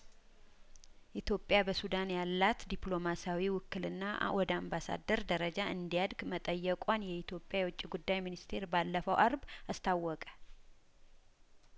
ኢትዮጵያ በሱዳን ያላት ዲፕሎማሲያዊ ውክልና አወደ አምባሳደር ደረጃ እንዲ ያድግ መጠየቋን የኢትዮጵያ የውጭ ጉዳይ ሚኒስቴር ባለፈው አርብ አስታወቀ